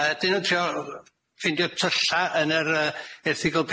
Yy 'dyn nw'n trio yy ffeindio tylla' yn yr yy erthygl